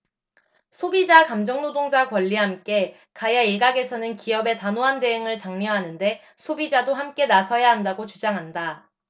소비자 감정노동자 권리 함께 가야일각에서는 기업의 단호한 대응을 장려하는데 소비자도 함께 나서야 한다고 주장한다